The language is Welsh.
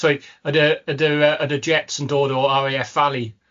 Sori, ydy ydy'r yy ydy'r jets yn dod o Are Ay Eff Valley?